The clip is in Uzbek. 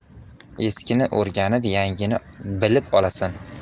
eskini o'rganib yangini bilib olasan